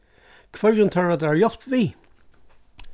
hvørjum tørvar tær hjálp við